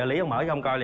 trợ lí ông mở cho ông coi